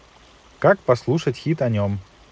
как послушать хит о нем